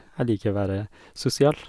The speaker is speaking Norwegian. Jeg liker være sosial.